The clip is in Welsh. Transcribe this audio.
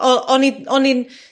O' o'n i o'n i'n